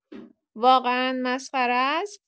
واقعا مسخره است.